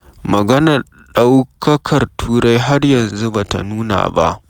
Maganar ɗaukakar Turai har yanzu ba ta nuna ba.